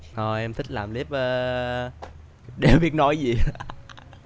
ôi em thích làm líp a a đéo biết nói gì hết ạ